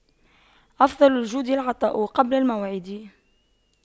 أفضل الجود العطاء قبل الموعد